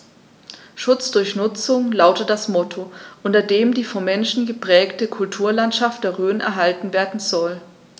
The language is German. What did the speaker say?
„Schutz durch Nutzung“ lautet das Motto, unter dem die vom Menschen geprägte Kulturlandschaft der Rhön erhalten werden soll.